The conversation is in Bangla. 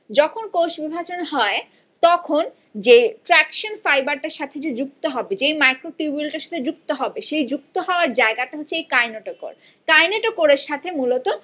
যখন কোষ বিভাজন হয় তখন যে ট্রাকশন ফাইবার টার সাথে যে যুক্ত হবে যে মাইক্রো টিউবিয়টার সাথে যুক্ত হবে সেই যুক্ত হওয়ার জায়গাটা হচ্ছে এই কাইনেটোকোর কাইনেটোকোর এর সাথে মূলত